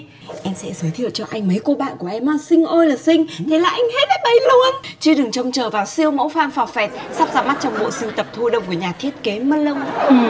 em sẽ giới thiệu cho anh mấy cô bạn của em á xinh ơi là xinh thế là anh hết ép ây luôn chứ đừng trông chờ vào siêu mẫu phan phọt phẹt sắp ra mắt trong bộ sưu tập thu đông của nhà thiết kế ma lông